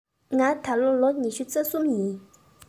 ང ད ལོ ལོ ཉི ཤུ རྩ གསུམ ཡིན